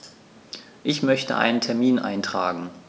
Ich möchte einen Termin eintragen.